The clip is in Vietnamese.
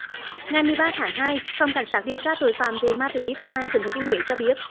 ngày mười ba tháng hai phòng cảnh sát điều tra tội phạm về ma túy công an tỉnh thừa thiên huế cho biết